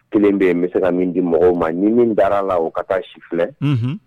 Kelen bɛ yen bɛ se ka min di mɔgɔw ma ɲimi da la o ka taa si filɛ